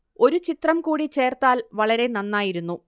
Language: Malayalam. ഒരു ചിത്രം കൂടി ചേർത്താൽ വളരെ നന്നായിരുന്നു